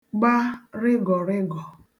gba rịgọ̀rịgọ̀